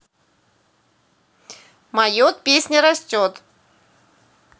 mayot песня растет